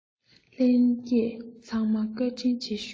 ལྷན རྒྱས ཚང མ བཀའ དྲིན ཆེ ཞུ